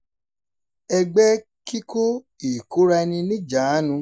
Ẹgbẹ́kíkó, ìkóraẹni-níjàánu